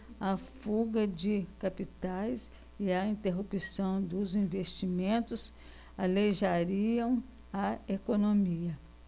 a fuga de capitais e a interrupção dos investimentos aleijariam a economia